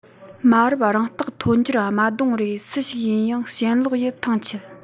མ རབས རང རྟགས མཐོ འབྱར དམའ རྡུང རེད སུ ཞིག ཡིན ཡང ཞེན ལོག ཡི ཐང ཆད